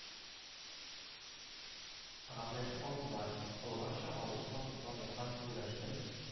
Гәпләшеп алдылар, олыларча, авыр сулап йоклап яткан гөләшне